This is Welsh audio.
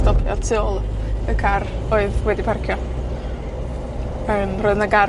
stopio tu ôl y car oedd wedi parcio. Yym, roedd 'na gar